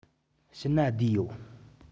ཕྱི ན བསྡད ཡོད